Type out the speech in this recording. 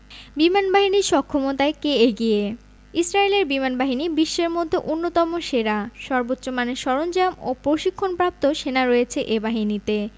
বিমানবাহীর সক্ষমতায় কে এগিয়ে ইসরায়েলের বিমানবাহিনী বিশ্বের মধ্যে অন্যতম সেরা সর্বোচ্চ মানের সরঞ্জাম ও প্রশিক্ষণপ্রাপ্ত সেনা রয়েছে এ বাহিনীতে